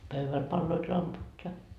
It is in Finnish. pöydällä paloivat lamput ja